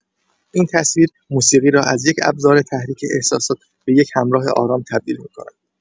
این تصویر، موسیقی را از یک ابزار تحریک احساسات به یک همراه آرام تبدیل می‌کند.